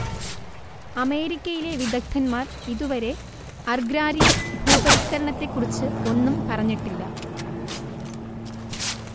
അമേരിക്കയിലെ വിദഗ്ധന്മാർ ഇതുവരെ അർഗ്രാരിയൻ ഭൂപരിഷ്കരണത്തെക്കുറിച്ച് ഒന്നും പറഞ്ഞിട്ടില്ല